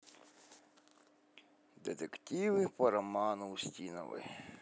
детективы по роману устиновой